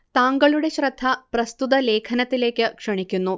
താങ്കളുടെ ശ്രദ്ധ പ്രസ്തുത ലേഖനത്തിലേക്ക് ക്ഷണിക്കുന്നു